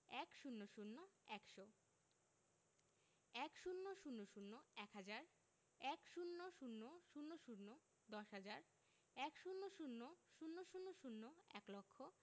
১০০ একশো ১০০০ এক হাজার ১০০০০ দশ হাজার ১০০০০০ এক লক্ষ